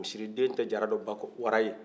misiri den tɛ jara dɔn bak wara ye